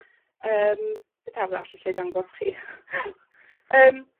Yym beth arall allai dangos chi. Yym...